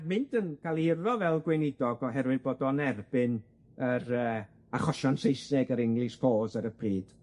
mynd yn ca'l 'i urddo fel gweinidog oherwydd bod o'n erbyn yr yy achosion Saesneg yr English Cause ar y pryd.